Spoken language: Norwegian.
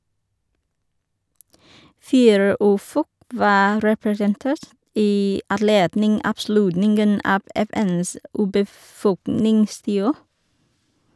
Fire urfolk var representert i anledning avslutningen av FNs urbefolkningstiår.